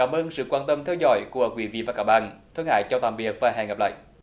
cảm ơn sự quan tâm theo dõi của quý vị và các bạn thân ái chào tạm biệt và hẹn gặp lại